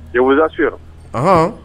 Je vous assure ahan ?